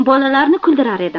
bolalarni kuldirar edim